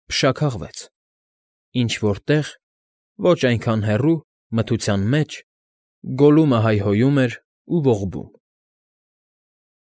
Փշաքաղվեց։ Ինչ֊որ տեղ, ոչ այնքան հեռու, մթության մեջ, Գոլլումը հայհոյում էր ու ողբում։